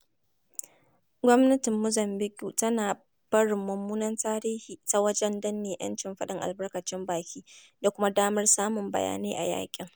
Gwamnatin Mozambiƙue tana barin mummunan tarihi ta wajen danne 'yancin faɗin albarkacin baki da kuma damar samun bayanai a yankin.